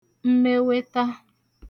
mmeweta